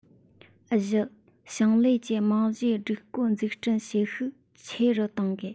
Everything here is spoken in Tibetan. བཞི ཞིང ལས ཀྱི རྨང གཞིའི སྒྲིག བཀོད འཛུགས སྐྲུན བྱེད ཤུགས ཆེ རུ གཏོང དགོས